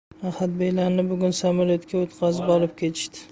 ahadbeylarni bugun samolyotga o'tqazib olib ketishdi